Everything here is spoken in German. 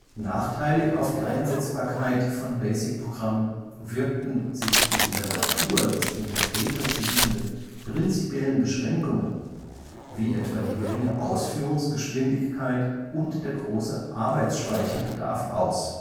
Nachteilig auf die Einsetzbarkeit von BASIC-Programmen wirkten sich die in der Natur des Interpreters liegenden prinzipiellen Beschränkungen wie etwa die geringe Ausführungsgeschwindigkeit und der große Arbeitsspeicherbedarf aus